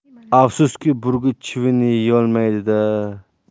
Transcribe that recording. afsuski burgut chivinni yeyolmaydi da